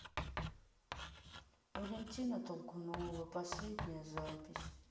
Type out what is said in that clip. валентина толкунова последняя запись